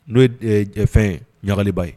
N'o ye cɛfɛn ɲagaliba ye